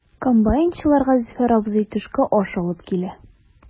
Комбайнчыларга Зөфәр абзый төшке аш алып килә.